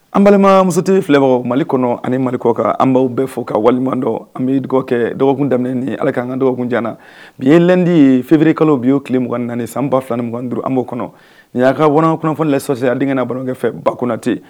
An balimamuso TV filɛbagaw Mali kɔnɔ ani Mali kɔ kan an b'aw bɛɛ fo k'aw waliɲuman dɔn an bɛ duwɔwu kɛ, dɔgɔkun daminɛ ye ni ye, Ala k'an ka dɔgɔkun diya an na. Bi ye lundi ye février kalo bi y'o tile 24 san 2025 an b'o kɔnɔ, nin y'a ka kunnafoni espace ye aw denkɛ n'aw balimakɛ fɛ Ba Kɔnatɛ.